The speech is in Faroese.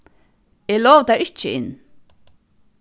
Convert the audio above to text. eg lovi tær ikki inn